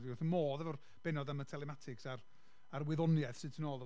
dwi wrth fy modd efo'r bennod am y telematics a'r a'r wyddoniaeth sydd tu nôl iddo fo...